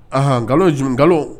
Aɔnan nkalon j nkalon